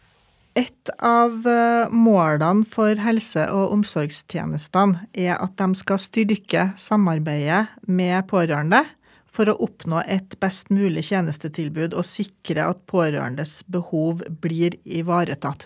et av målene for helse- og omsorgstjenestene er at dem skal styrke samarbeidet med pårørende for å oppnå et best mulig tjenestetilbud og sikre at pårørendes behov blir ivaretatt.